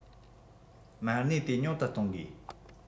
མ གནས དེ ཉུང དུ གཏོང དགོས